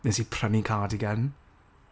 wnes i prynu cardigan.